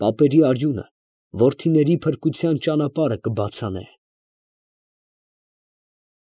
Պապերի արյունը որդիների փրկության ճանապարհը կբա՛ցանե…։